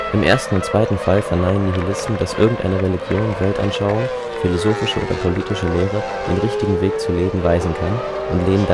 Im ersten und zweiten Fall verneinen Nihilisten, dass irgendeine Religion, Weltanschauung, philosophische oder politische Lehre den richtigen Weg zu leben weisen kann und lehnen